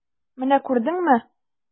Менә күрдеңме?